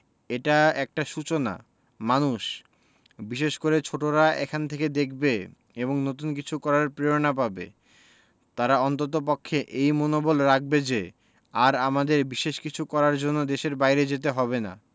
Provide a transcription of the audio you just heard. এটা একটা সূচনা মানুষ বিশেষ করে ছোটরা এখান থেকে দেখবে এবং নতুন কিছু করার প্রেরণা পাবে তারা অন্ততপক্ষে এই মনোবল রাখবে যে আর আমাদের বিশেষ কিছু করার জন্য দেশের বাইরে যেতে হবে না